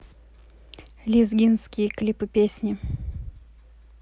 лезгинские клипы песни